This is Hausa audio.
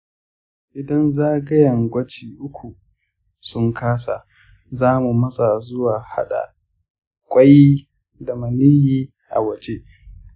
idan zagayen gwaji uku sun kasa, za mu matsa zuwa haɗa ƙwai da maniyyi a waje.